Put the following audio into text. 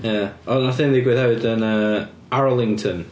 Ia ond wnaeth hyn ddigwydd hefyd yn yy Arlington.